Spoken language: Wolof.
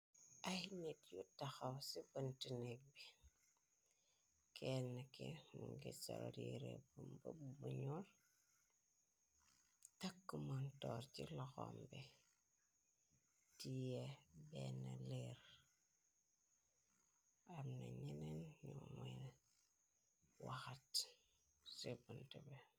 Ay nit yu taxaw si buntu nékk bi, kenn ki mungi sol yire bu mbubu bu ñuol, takk montor ci loxom bi, tiye benn leer. Amna ñeneen ñoo moy waxat sibuntu bi.